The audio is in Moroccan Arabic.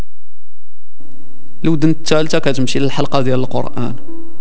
لودي نت الحلقه في القران